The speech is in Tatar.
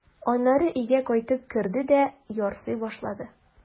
Аннары өйгә кайтып керде дә ярсый башлады.